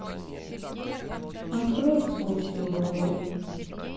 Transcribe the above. открой экскурсию гоголя